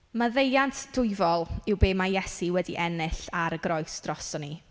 Maddeuant dwyfol yw be ma' Iesu wedi ennill ar y groes drosto ni.